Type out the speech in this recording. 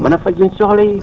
mën a faj soxla yi